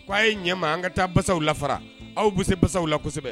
Ko ye ɲɛ ma an ka taa basaw lafara aw bi se basaw la kosɛbɛ.